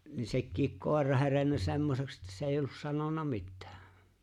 niin sekin koira herennyt semmoiseksi että se ei ollut sanonut mitään